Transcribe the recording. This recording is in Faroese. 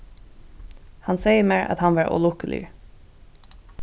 hann segði mær at hann var ólukkuligur